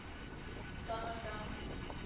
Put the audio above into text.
Таныдым